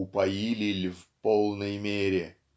"упоили ль в полной мере")